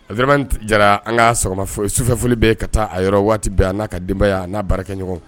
Adi jara an kaafo sufɛf bɛ ka taa a yɔrɔ waati bɛɛ a n'a ka denbaya a n'a baara kɛ ɲɔgɔn